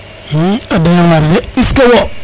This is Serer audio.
a doya waar de